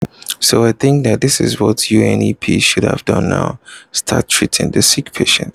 So I think that is what UNEP should have done now: start treating the sick patient.